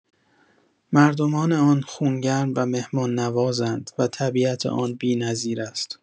مردمان آن خونگرم و مهمان‌نوازند و طبیعت آن بی‌نظیر است.